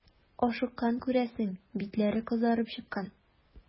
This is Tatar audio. Ашыккан, күрәсең, битләре кызарып чыккан.